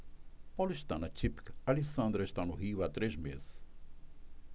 paulistana típica alessandra está no rio há três meses